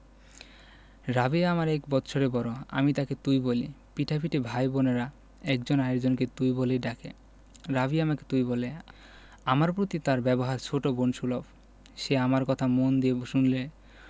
রাবেয়া আমার এক বৎসরের বড় আমি তাকে তুই বলি পিঠাপিঠি ভাই বোনেরা একজন আরেক জনকে তুই বলেই ডাকে রাবেয়া আমাকে তুমি বলে আমার প্রতি তার ব্যবহার ছোট বোন সুলভ সে আমার কথা মন দিয়ে শুনলে